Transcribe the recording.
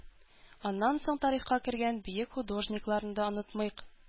Аннан соң тарихка кергән бөек художникларны да онытмыйк.